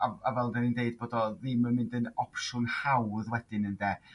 a a fel 'da ni'n deud bod o ddim yn mynd yn opsiwn hawdd wedyn ynde?